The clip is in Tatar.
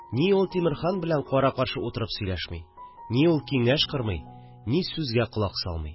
Ни ул тимерхан белән кара-каршы утырып сөйләшми, ни ул киңәш кормый, ни сүзгә колак салмый